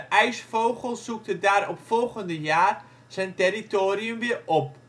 ijsvogel zoekt het daaropvolgende jaar zijn territorium weer op